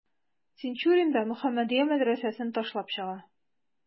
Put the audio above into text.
Тинчурин да «Мөхәммәдия» мәдрәсәсен ташлап чыга.